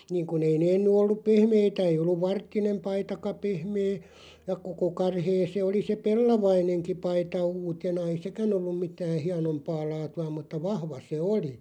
niin kun ei ne ennen ollut pehmeitä ei ollut varttinen paitakaan pehmeä ja koko karhea se oli se pellavainenkin paita uutena ei sekään ollut mitään hienompaa laatua mutta vahva se oli